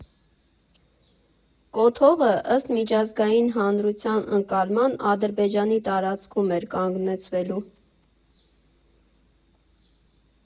Կոթողը, ըստ միջազգային հանրության ընկալման, Ադրբեջանի տարածքում էր կանգնեցվելու։